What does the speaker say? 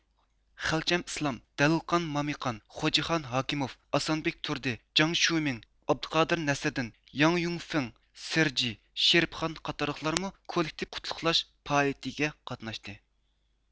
خەلچەم ئىسلام دەلىلقان مامىقان خوجىخان ھاكىموف ئاسانبېك تۇردى جاڭ شيۇمىڭ ئابدۇقادىر نەسىردىن ياۋ يۇڭفېڭ سېرجې شېرىپقان قاتارلىقلارمۇ كوللېكتىپ قۇتلۇقلاش پائالىيىتىگە قاتناشتى